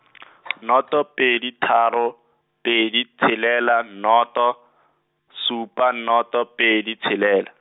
nnoto pedi tharo, pedi tshelela nnoto, supa nnoto pedi tshelela.